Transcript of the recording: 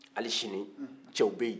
hali sini cɛw bɛ yen